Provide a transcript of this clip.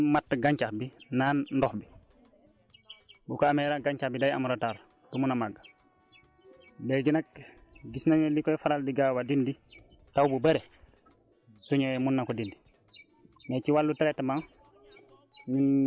maanaam ñoom ñoom dañuy màtt dañuy màtt gàncax bi naan ndox mi boo ko amee nag gàncax bi day am retard du mën a màgg léegi nag gis nañ ne li koy faral di gaaw a dindi taw bu bëri su ñëwee mën na ko dindi